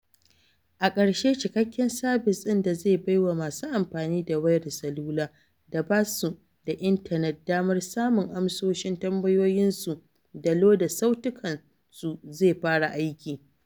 A ƙarshe, cikakken sabis ɗin da zai baiwa masu amfani da wayar salula da ba su da intanet damar samun amsoshin tambayoyinsu da loda sautukansu zai fara aiki.